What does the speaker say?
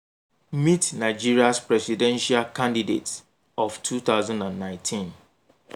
Meet Nigeria's presidential candidates of 2019